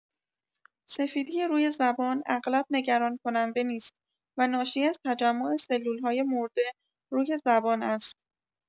سفیدی روی زبان اغلب نگران‌کننده نیست و ناشی از تجمع سلول‌های مرده روی زبان است.